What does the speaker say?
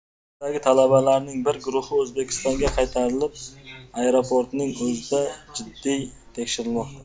xitoydagi talabalarning bir guruhi o'zbekistonga qaytarilib aeroportning o'zida jiddiy tekshirilmoqda